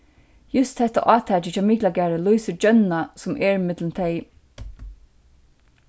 júst hetta átakið hjá miklagarði lýsir gjónna sum er millum tey